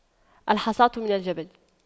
الحصاة من الجبل